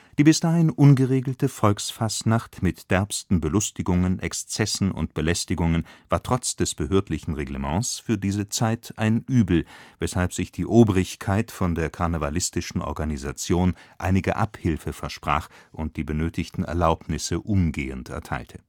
bis dahin ungeregelte Volksfastnacht mit derbsten Belustigungen, Exzessen und Belästigungen war trotz des behördlichen Reglements für diese Zeit ein Übel, weshalb sich die Obrigkeit von der karnevalistischen Organisation einige Abhilfe versprach und die benötigten Erlaubnisse umgehend erteilte